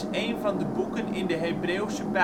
een van de boeken in de Hebreeuwse Bijbel